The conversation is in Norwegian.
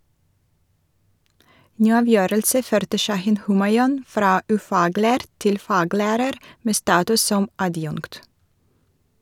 Ny avgjørelse førte Shahin Homayoun fra ufaglært til faglærer med status som adjunkt.